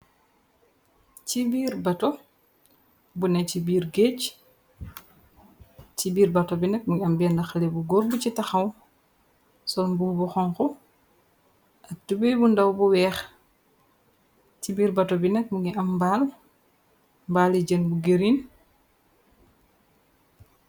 Ci biir bato bu né c biir géej ci biir bato bi necg mogi am bnd xele bu góor ci taxaw sol mbu bu xonku ak tubi bu ndaw bu weex ci biir bato bi nek mu ngi am mbaal mbaali jën bu green.